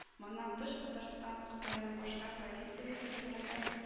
Моннан тыш, Татарстан Кытайның башка провинцияләре белән дә